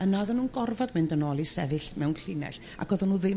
yno o'dden nhw'n gorfod mynd yn ôl i sefyll mewn llinell ac o'dden nhw ddim